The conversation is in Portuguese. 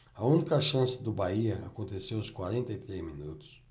a única chance do bahia aconteceu aos quarenta e três minutos